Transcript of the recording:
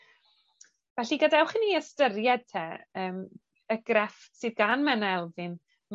Felly gadewch i ni ystyried 'te yym y grefft sydd gan Menna Elfyn